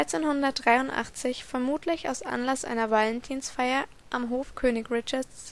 1383 vermutlich aus Anlass einer Valentinsfeier am Hof König Richards